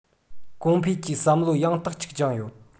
གོང འཕེལ གྱི བསམ བློ ཡང དག ཅིག བཅིངས ཡོད